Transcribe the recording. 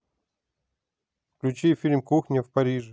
включи фильм кухня в париже